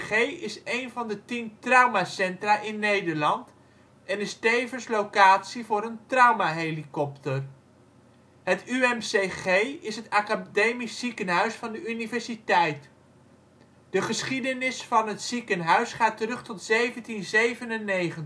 Het UMCG is één van de tien traumacentra in Nederland en is tevens locatie voor een traumahelikopter. Het UMCG is het academisch ziekenhuis van de universiteit. De geschiedenis van het ziekenhuis gaat terug tot 1797. Het